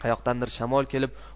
qayoqdandir shamol kelib